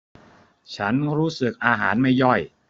ฉันรู้สึกอาหารไม่ย่อย